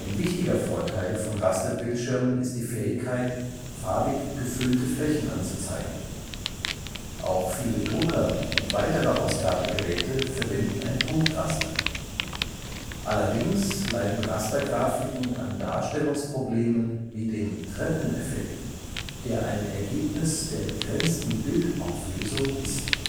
wichtiger Vorteil von Rasterbildschirmen ist die Fähigkeit, farbig gefüllte Flächen anzuzeigen. Auch viele Drucker und weitere Ausgabegeräte verwenden ein Punktraster. Allerdings leiden Rastergrafiken an Darstellungsproblemen wie dem Treppeneffekt, der ein Ergebnis der begrenzten Bildauflösung (Pixelanzahl) ist